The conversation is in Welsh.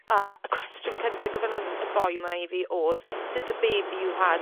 A y cwestiwn cynta gofynnod y boi 'ma i fi odd did the baby you had in...